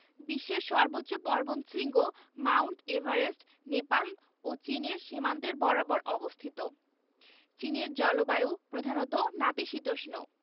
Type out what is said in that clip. বিশ্বের সর্বোচ্চ পর্বতশৃঙ্গ মাউন্ট এভারেস্ট নেপাল ও চীনের সীমান্তের বরাবর অবস্থিত চীনের জলবায়ু প্রধানত নাতিশীতোষ্ণ